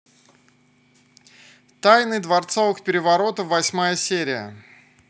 тайны дворцовых переворотов восьмая серия